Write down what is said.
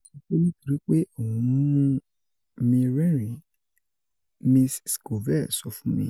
“O sọ pe, “Nitori pe o n mu mi rẹrin,”” Ms. Scovell sọ fun mi.